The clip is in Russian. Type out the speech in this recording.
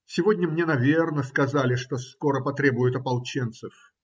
-------------- Сегодня мне наверно сказали, что скоро потребуют ополченцев